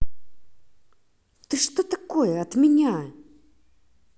ты что такое от меня